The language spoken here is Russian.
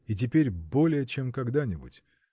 и теперь более, чем когда-нибудь.